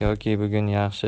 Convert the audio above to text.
yoki bugun yaxshi